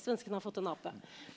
svenskene har fått en ape.